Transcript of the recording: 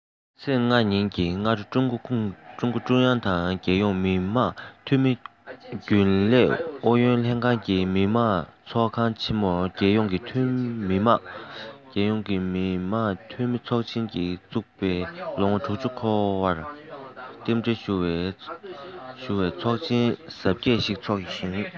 ཚེས ཉིན གྱི སྔ དྲོ ཀྲུང གུང ཀྲུང དབྱང དང རྒྱལ ཡོངས མི དམངས འཐུས ཚོགས རྒྱུན ལས ཨུ ཡོན ལྷན ཁང གིས མི དམངས ཚོགས ཁང ཆེ མོར རྒྱལ ཡོངས མི དམངས འཐུས མི ཚོགས ཆེན བཙུགས ནས ལོ ངོ འཁོར བར རྟེན འབྲེལ ཞུ བའི ཚོགས ཆེན གཟབ རྒྱས ཤིག འཚོགས ཤིང